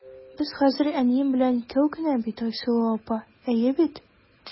Без хәзер әнием белән икәү генә бит, Айсылу апа, әйе бит?